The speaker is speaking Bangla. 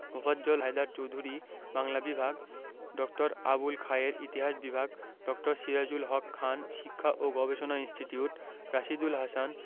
মোফাজ্জল হায়দার চৌধুরী বাংলা বিভাগ ড. আবুল খায়ের ইতিহাস বিভাগ ড. সিরাজুল হক খান শিক্ষা ও গবেষণা ইনস্টিটিউট রাশীদুল হাসান